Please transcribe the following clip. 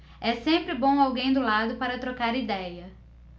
é sempre bom alguém do lado para trocar idéia